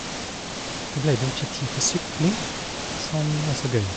Da ble det jo ikke tid til sykling, som er så gøy.